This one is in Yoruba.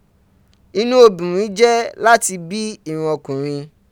Inu obinrin je lati bi iran okunrin.